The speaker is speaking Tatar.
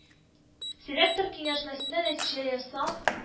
Селектор киңәшмәсендә нәтиҗә ясап